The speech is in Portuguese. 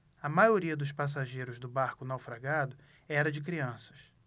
a maioria dos passageiros do barco naufragado era de crianças